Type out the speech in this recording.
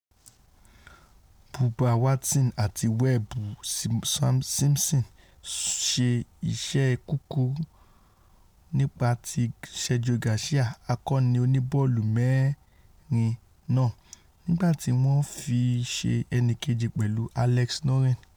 Bubba Watson àti Webb Simson ṣe iṣẹ́ kúkúrú nípa ti Sergio Garcia, akọni oníbọ́ọ̀lù-mẹ́rin náà, nígbà tí wọn fí i ṣe ẹnìkeji pẹ̀lú Alex Noren.